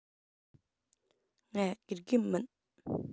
ང དགེ རྒན མིན